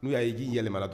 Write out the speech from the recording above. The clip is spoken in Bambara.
Nu y' ye ji yɛlɛmana to